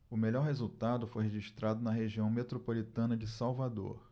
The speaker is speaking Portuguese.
o melhor resultado foi registrado na região metropolitana de salvador